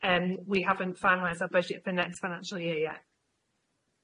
Yym we haven't finalised our budget for next financial year yet.